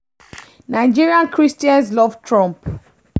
Nigerian Christians love Trump.